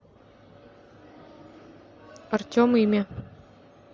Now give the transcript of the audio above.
артем имя